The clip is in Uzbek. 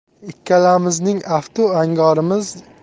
ikkalamizning aftu angorimiz